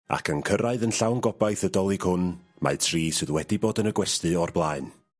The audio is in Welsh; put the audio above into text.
Ac yn cyrraedd yn llawn gobaith y 'Ddolig hwn mae tri sydd wedi bod yn y gwesty o'r blaen.